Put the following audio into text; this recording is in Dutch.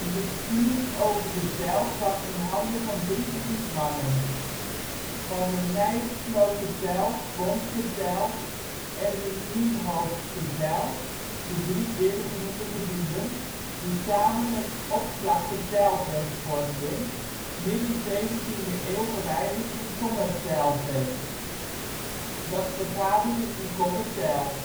bestuur over de zijl kwam in handen van drie grietmannen; van de Nijesloterzijl, Bomsterzijl en de Niehoofdsterzijl (de drie eerder genoemde gebieden), die samen het Opslagterzijlvest vormden (midden 17e eeuw gewijzigd in Kommerzijlvest), dat vergaderde in Kommerzijl